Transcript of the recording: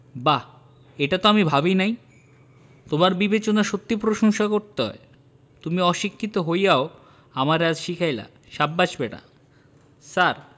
বাহ এইটা তো আমি ভাবিনাই তোমার বিবেচনার সত্যিই প্রশংসা করতে হয় তুমি অশিক্ষিতো হইয়াও আমারে আজ শিখাইলা সাব্বাস ব্যাটা ছার